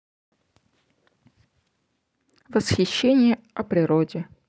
восхищение о природе